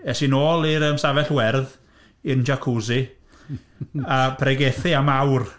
Es i nôl i'r yym stafell werdd, i'n jacuzzi a pregethu am awr.